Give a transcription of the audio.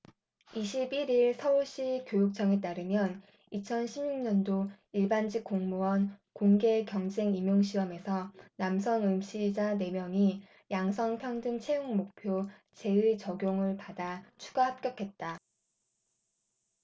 이십 일 일 서울시교육청에 따르면 이천 십 육 년도 일반직공무원 공개경쟁임용시험에서 남성 응시자 네 명이 양성평등채용목표제의 적용을 받아 추가 합격했다